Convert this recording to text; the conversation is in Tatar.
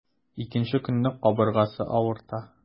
Икенче көнне кабыргасы авырта.